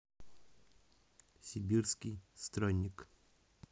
сибирский странник